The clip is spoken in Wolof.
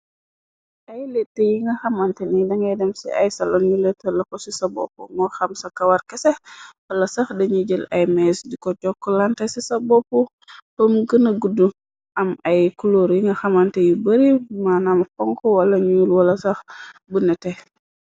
Ay lett yi nga xamante ni dangay dem ci ay salon yu letalako ci sa bopp ngo xam sa kawar kese. Wala sax dañi jël ay mees di ko jokk lante ci sa bopp bom gëna gudd. Am ay kuloor yi nga xamante yu bari mànam ponk. Wala ñul wala sax bu nete.